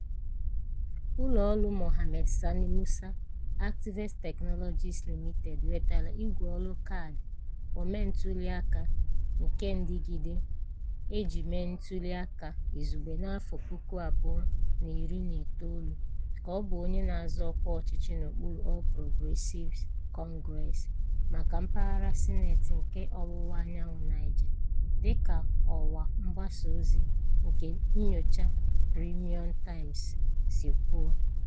Ụlọ ọrụ Mohammed Sani Musa, Activate Technologies Limited, wetara ígwè ọrụ Kaadị Omentụliaka Kendịgide (PVCs) e ji mee ntụliaka izugbe n'afọ 2019, ka ọ bụ onye na-azọ ọkwa ọchịchị n'okpuru All Progressives Congress (APC) maka mpaghara Sineeti nke Ọwụwaanyanwụ Niger , dị ka ọwa mgbasa ozi kennyocha, Premium Times, si kwuo.